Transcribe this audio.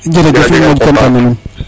jerejëf in moƴu content :frea na nuun